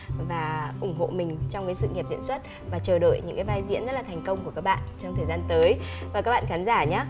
và ủng hộ mình trong sự nghiệp diễn xuất và chờ đợi những cái vai diễn rất thành công của các bạn trong thời gian tới và các bạn khán giả nhớ